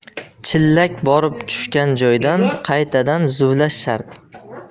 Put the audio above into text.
chillak borib tushgan joydan qaytadan zuvlash shart